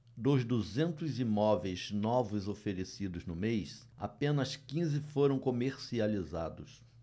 dos duzentos imóveis novos oferecidos no mês apenas quinze foram comercializados